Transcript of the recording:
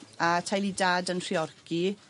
A teulu dan yn Nhreorci.